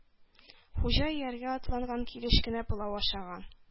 Хуҗа ияргә атланган килеш кенә пылау ашаган.